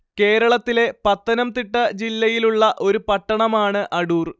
കേരളത്തിലെ പത്തനംതിട്ട ജില്ലയിലുള്ള ഒരു പട്ടണമാണ് അടൂർ